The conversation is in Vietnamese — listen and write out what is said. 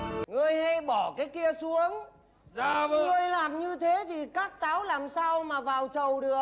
ngươi hay bỏ cái kia xuống ngươi làm như thế thì các táo làm sao mà vào chầu được